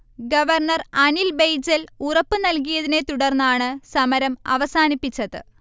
governor Anil Baijal ഉറപ്പു നൽകിയതിനെ തുടർന്നാണ് സമരം അവസാനിപ്പിച്ചത്